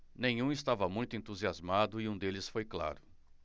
nenhum estava muito entusiasmado e um deles foi claro